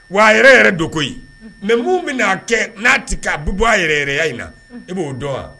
Wa a yɛrɛ yɛrɛ don koyi. Mais mun bi na kɛ na ti ka , a bɛ bɔ a yɛrɛ yɛrɛya in na i bo dɔn wa?